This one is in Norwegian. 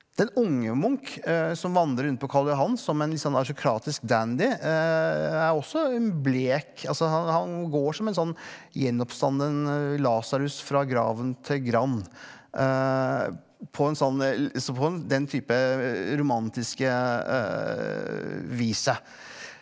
den unge Munch som vandrer rundt på Karl Johan som en liksom autokratisk dandy er også en blek altså han han går som en sånn gjenoppstanden Lasarus fra graven til Grand på en sånn på den type romantiske viset.